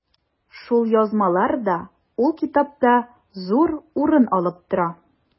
Шул язмалар да ул китапта зур урын алып тора.